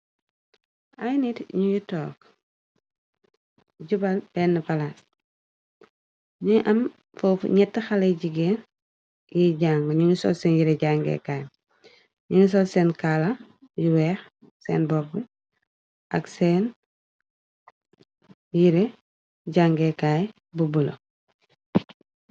Ay nit ñuy took jubal benna balaas ñuy am foofu neeti xale jigeen yoi jànga nogi sol seen yere jangeekaay ñugi sol seen kaala yu weex seen bopp ak seen yere jàngeekaay bu bulo.